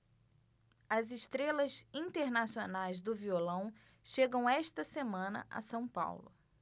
as estrelas internacionais do violão chegam esta semana a são paulo